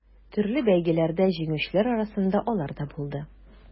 Төрле бәйгеләрдә җиңүчеләр арасында алар да булды.